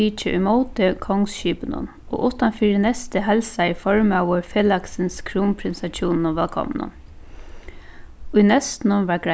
tikið ímóti kongsskipinum og uttan fyri neystið heilsaði formaður felagsins krúnprinsahjúnunum vælkomnum í neystinum varð